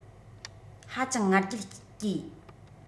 ཧ ཅང ང རྒྱལ སྐྱེས